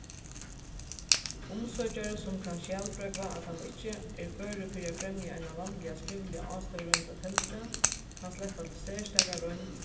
umsøkjari sum kann skjalprógva at hann ikki er førur fyri at fremja eina vanliga skrivliga ástøðisroynd á teldu kann sleppa til serstaka roynd